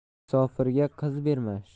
musofirga qiz berma